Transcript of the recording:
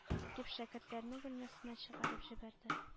Дип, шәкертләрне бүлмәсеннән чыгарып җибәрде.